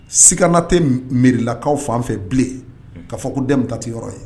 Si kana tɛ mairie la kaw fan fɛ bilen ka fɔ ko dɛm ta tɛ yɔrɔ ye.